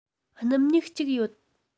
སྣུམ སྨྱུག གཅིག ཡོད